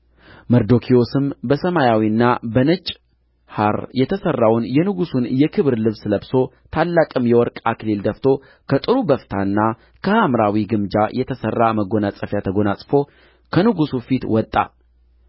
መርዶክዮስም በሰማያዊና በነጭ ሐር የተሠራውን የንጉሡን የክብር ልብስ ለብሶ ታላቅም የወርቅ አክሊል ደፍቶ ከጥሩ በፍታና ከሐምራዊ ግምጃ የተሠራ መጐናጸፊያ ተጐናጽፎ ከንጉሡ ፊት ወጣ